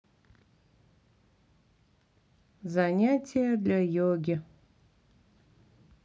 занятия для йоги